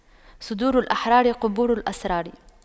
صدور الأحرار قبور الأسرار